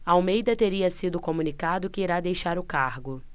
almeida teria sido comunicado que irá deixar o cargo